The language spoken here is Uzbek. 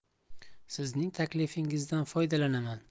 sizning taklifingizdan foydalanaman